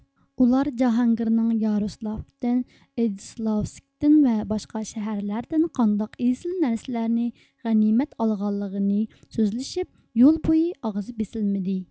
ئۇلار جاھانگىرنىڭ يارۇسلافدىن ئىجېسلاۋسكتىن ۋە باشقا شەھەرلەردىن قانداق ئېسىل نەرسىلەرنى غەنىيمەت ئالغانلىقىنى سۆزلىشىپ يول بويى ئاغزى بېسىلمىدى